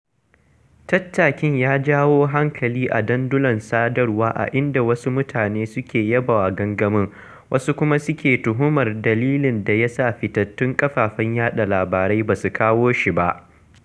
Tattakin ya jawo hankali a dandulan sadarwa a inda wasu mutane suka yabawa gangamin wasu kuma suke tuhumar dalilin da ya sa fitattun kafafen yaɗa labarai ba su kawo shi ba.